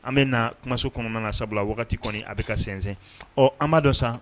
An bɛ na kumaso kɔnɔna na sabula wagati kɔni a bɛ ka sinsɛn ɔ an b' dɔ san